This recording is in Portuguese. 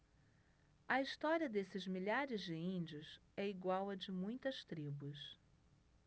a história desses milhares de índios é igual à de muitas tribos